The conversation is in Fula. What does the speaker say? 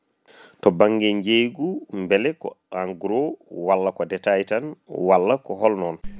to banggue jeygu bele ko en gros walla ko détail tan walla ko hol non